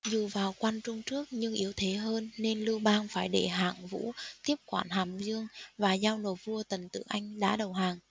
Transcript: dù vào quan trung trước nhưng yếu thế hơn nên lưu bang phải để hạng vũ tiếp quản hàm dương và giao nộp vua tần tử anh đã đầu hàng